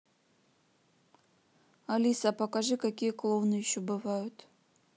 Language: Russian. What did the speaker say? алиса покажи какие клоуны еще бывают